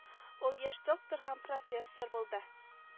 Ул яшь доктор һәм профессор булды